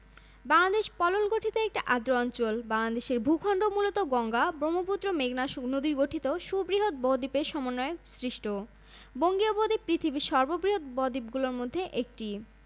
বার্ষিক বৃষ্টিপাত ১হাজার ১৯৪ থেকে ৩হাজার ৪৫৪ মিলিমিটার